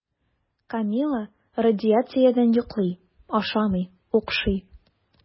Камилла радиациядән йоклый, ашамый, укшый.